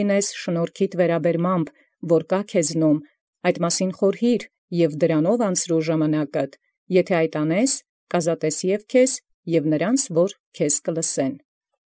Զշնորհացդ որ ի քեզ են. յայդ խորհեա՛ և ի դոյն յամեսջիր. զայդ եթէ առնիցես, ե՛ւ զանձն ապրեցուսցես, ե՛ւ զայնոսիկ, որ քեզն լսիցենե։